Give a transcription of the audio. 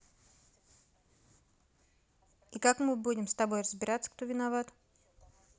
и как мы будем с тобой разбираться кто виноват